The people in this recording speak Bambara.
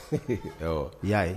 awɔ, i y'a ye.